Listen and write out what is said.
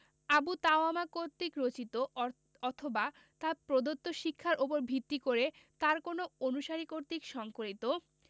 আবু তাওয়ামা কর্তৃক রচিত অথবা তাঁর প্রদত্ত শিক্ষার ওপর ভিত্তি করে তাঁর কোনো অনুসারী কর্তৃক সংকলিত